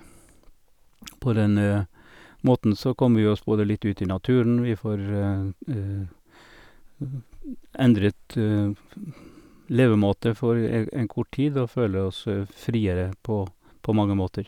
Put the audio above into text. På den måten så kommer vi oss både litt ut i naturen, vi får endret levemåte for e en kort tid og føler oss friere på på mange måter.